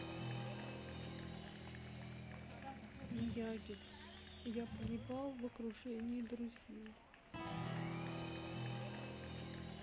miyagi я погибал в окружении друзей